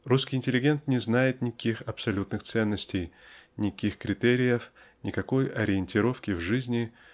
Русский интеллигент не знает никаких абсолютных ценностей никаких критериев никакой ориентировки в жизни